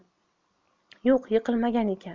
yo'q yiqilmagan ekan